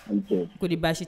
I ni ce kodi baasi t